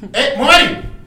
Ɛɛ Mohamed !